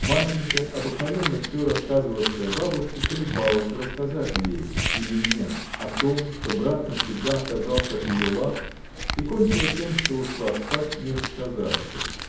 Марфинька, обыкновенно всё рассказывавшая бабушке, колебалась, рассказать ли ей или нет о том, что брат навсегда отказался от ее ласк, и кончила тем, что ушла спать, не рассказавши.